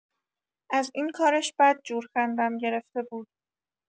از این کارش بدجور خندم گرفته بود.